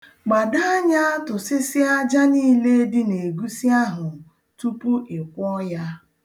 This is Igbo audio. Gbado anya tusịsịa aja niile dị n'egusi ahụ tupu ị kwọọ ya.